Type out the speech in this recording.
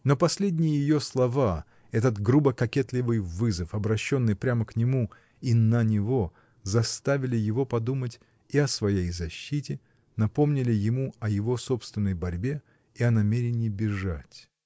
Но последние ее слова, этот грубо-кокетливый вызов, обращенный прямо к нему и на него, заставили его подумать и о своей защите, напомнили ему о его собственной борьбе и о намерении бежать.